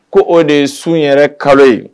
Ko o de ye sun yɛrɛ kalo ye